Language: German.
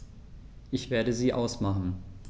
Ich werde sie ausmachen.